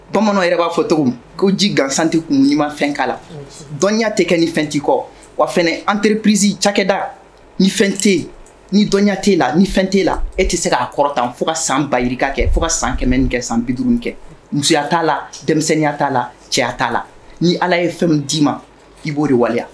Bamananw yɛrɛ b'a fɔ cogo ko ji gansanti kun ɲuman ɲumanfɛnka la dɔnniya tɛ kɛ ni fɛn' kɔ wa fana an teririprisi cakɛda ni fɛn tɛ ni dɔnya tɛ' la ni fɛn t'e la e tɛ se'a kɔrɔ tan fo ka san bayirika kɛ fo ka san kɛmɛ kɛ san biuru kɛ musoya t'a la denmisɛnninya t'a la cɛya t'a la ni ala ye fɛn d'i ma i b'o de waleya